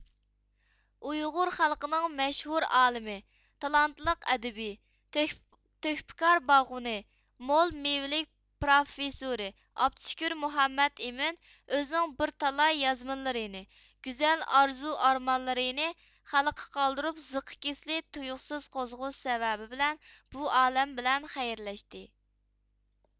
ئۇيغۇر خەلقىنىڭ مەشھۇر ئالىمى تالانتلىق ئەدىبى تۆھپىكار باغۋېنى مول مېۋىلىك پروفېسورى ئابدۇشكۇر مۇھەممەد ئىمىن ئۆزىنىڭ بىر تالاي يازمىلىرىنى گۈزەل ئارزۇ ئارمانلىرىنى خەلقىگە قالدۇرۇپ زېققا كېسىلى تۇيۇقسىز قوزغىلىشى سەۋەبى بىلەن بۇ ئالەم بىلەن خەيرلەشتى